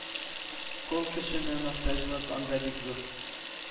Кул көченә мохтаҗлык анда бик зур.